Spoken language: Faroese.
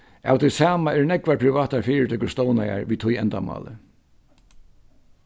av tí sama eru nógvar privatar fyritøkur stovnaðar við tí endamáli